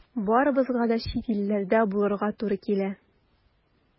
Барыбызга да чит илләрдә булырга туры килә.